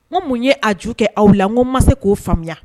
Ko mun ye a ju kɛ aw la n ko ma se k'o faamuya